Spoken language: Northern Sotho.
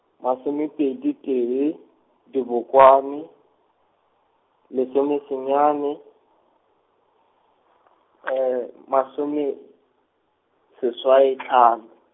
masomepedi tee, Dibokwane, lesomesenyane, masomeseswai hlano.